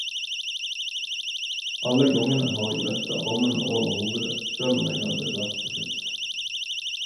Alle gongene har eg løfta armane over hovudet, sjølv om eg hadde dress og slips.